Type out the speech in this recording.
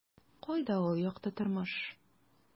Кайда ул - якты тормыш? ..